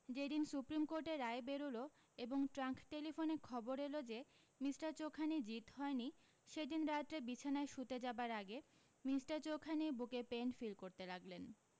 যেদিন সুপ্রিম কোর্টের রায় বেরুলো এবং ট্রাঙ্কটেলিফোনে খবর এলো যে মিষ্টার চোখানি জিত হয়নি সেইদিন রাত্রে বিছানায় শুতে যাবার আগে মিষ্টার চোখানি বুকে পেন ফিল করতে লাগলেন